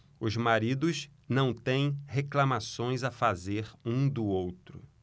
os maridos não têm reclamações a fazer um do outro